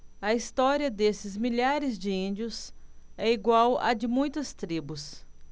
a história desses milhares de índios é igual à de muitas tribos